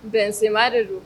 Bɛnsenma de don.